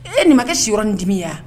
E ninkɛ siɔrɔn nin dimiya